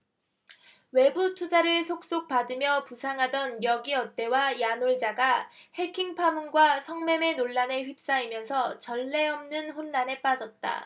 외부투자를 속속 받으며 부상하던 여기어때와 야놀자가 해킹 파문과 성매매 논란에 휩싸이면서 전례 없는 혼란에 빠졌다